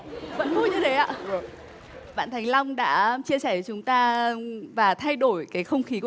vẫn vui như thế ạ bạn thành long đã chia sẻ chúng ta và thay đổi cái không khí